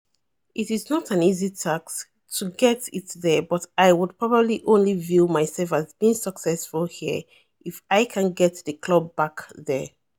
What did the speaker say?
"It is not an easy task to get it there, but I would probably only view myself as being successful here if I can get the club back there."